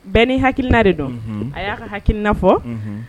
Bɛn ni hakiina de dɔn a y'a ka hakiinafɔ